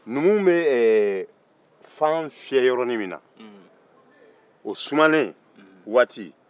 numuw bɛ fan fiyɛ yɔrɔnin min na o sumalen waati